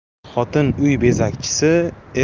xotin uy bezakchisi